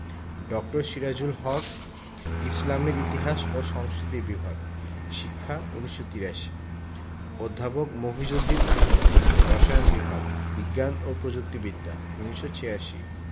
ড. সিরাজুল হক ইসলামের ইতিহাস ও সংস্কৃতি বিভাগ শিক্ষা ১৯৮৩ অধ্যাপক মফিজ উদ দীন আহমেদ রসায়ন বিভাগ বিজ্ঞান ও প্রযুক্তি বিদ্যা ১৯৮৬